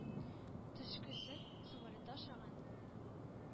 Төшкесен самолетта ашаган